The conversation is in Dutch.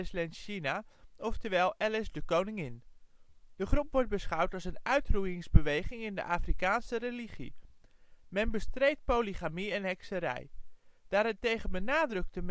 Lenshina, oftewel " Alice de Koningin. " De wordt beschouwd als een " uitroeiingsbeweging " in de Afrikaanse religie. Men bestreed polygamie en hekserij. Daarentegen benadrukte